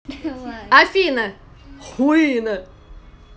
афина хуина